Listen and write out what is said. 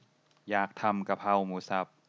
อยากทำกะเพราหมูสับ